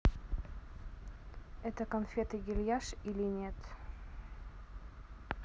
это конфеты грильяж или нет